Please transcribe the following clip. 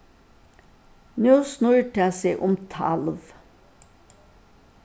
nú snýr tað seg um talv